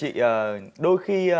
chị ờ đôi khi